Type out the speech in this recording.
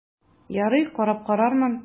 Ярый, карап карармын...